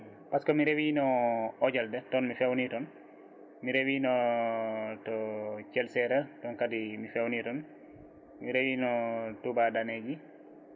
par ce que mi rewino Hodioldé toon ùmi fewni toon mi rewino to Thiel Sérére toon kadi mi fewni toon mi rwino Touba *